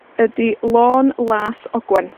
ydi Lôn Las Ogwen.